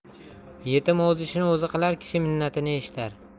yetim o'z ishini o'zi qilar kishi minnatini eshitar